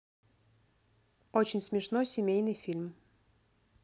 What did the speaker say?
очень смешной семейный фильм